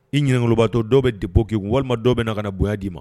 I ɲinɛnkelenbaatɔ dɔw bɛ dépot k'i kun walima dɔw bɛ na ka na bonya d'i ma